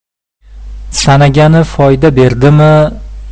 sanagani foyda berdimi yo